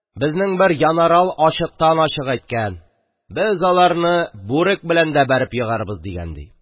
Безнең бер янарал ачыктан-ачык әйткән: «Без аларны бүрек белән дә бәреп егарбыз!» – дигән ди.